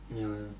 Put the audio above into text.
joo joo